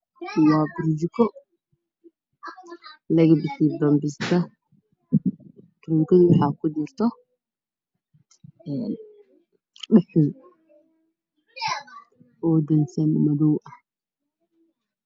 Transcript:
Waa burjiko waxaa ku jirta dhuxul midabkeedu yahay madow burjukada midabkeeda waa cadday madow